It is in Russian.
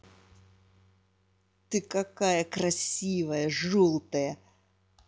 ты какая красивая желтая